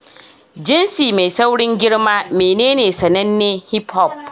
Jinsi Mai Saurin Girma: Menene sanannen hip hop?